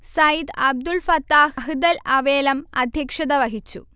സയ്ദ് അബ്ദുൽ ഫത്താഹ് അഹ്ദൽ അവേലം അധ്യക്ഷത വഹിച്ചു